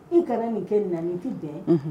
I kɛra nin kɛ naani tɛ dɛmɛ